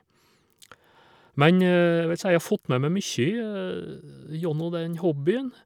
Men jeg vil si jeg har fått med meg mye gjennom den hobbyen.